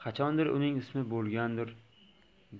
qachondir uning ismi bo'lsa bo'lgandir